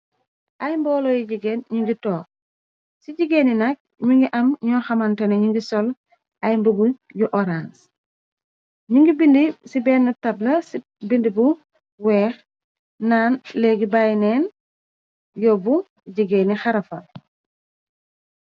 Ay mbooloo yi jigéen ñu ngi toog, ci jigéeni nak mi ngi am ñoo xamantene ñu ngi sol ay mbubu yu oranse, ñu ngi binde ci benne tabla binde bu weex, naan léegi bàyi neen yóbbu jigéeni xarafal.